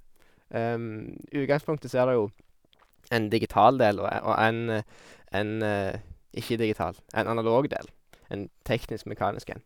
Utgangspunktet så er der jo en digital del og e og en en ikke-digital, en analog del, en teknisk-mekanisk en.